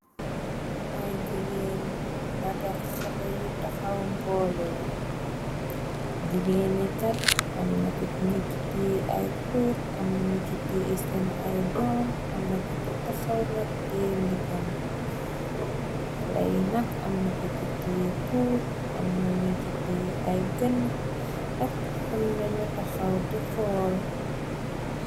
Ay jigéen naga xale yu taxaw mboolo jigéeni kat am na ku nu jiki ay kuur am nañu citi islan ay doom amnako ci taxaw nak tie ndiggam axley nag am naku cigi kuur am na ñu citi ay gën ac am nañu taxaw di xool